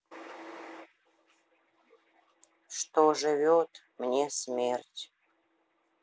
что живет мне смерть